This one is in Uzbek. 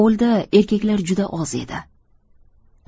ovulda erkaklar juda oz edi